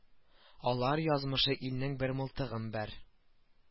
Алар язмышы илнең бәр мылтыгым бәр